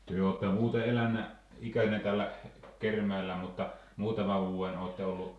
te olette muuten elänyt ikänne täällä Kerimäellä mutta muutaman vuoden olette ollut